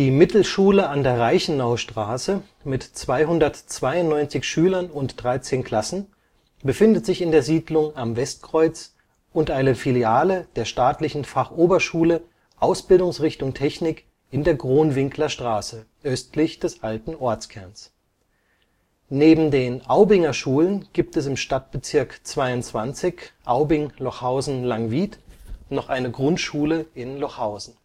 Mittelschule an der Reichenaustraße (292/13) befindet sich in der Siedlung Am Westkreuz und eine Filiale der Staatlichen Fachoberschule, Ausbildungsrichtung Technik, in der Kronwinkler Straße, östlich des alten Ortskerns. Neben den Aubinger Schulen gibt es im Stadtbezirk 22 (Aubing-Lochhausen-Langwied) noch eine Grundschule in Lochhausen